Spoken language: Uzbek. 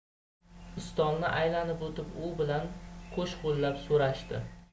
ustolni aylanib o'tib u bilan qo'shqo'llab so'rashdi